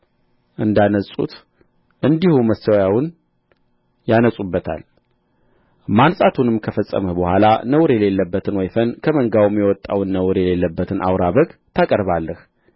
እንዳነጹት እንዲሁ መሠዊያውን ያነጹበታል ማንጻቱንም ከፈጸምህ በኋላ ነውር የሌለበትን ወይፈን ከመንጋውም የወጣውን ነውር የሌለበትን አውራ በግ ታቀርባለህ